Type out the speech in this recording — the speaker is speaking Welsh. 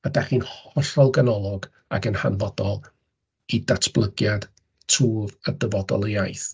A dach chi'n hollol ganolog ac yn hanfodol i datblygiad, twf a dyfodol y iaith.